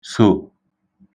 sò